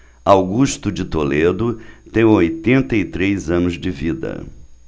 augusto de toledo tem oitenta e três anos de vida